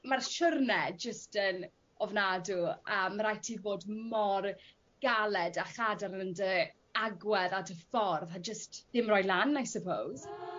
Ma'r siwrne jyst yn ofnadw a ma' raid ti bod mor galed a chadarn yn dy agwedd a dy ffordd a jyst dim roi lan I suppose.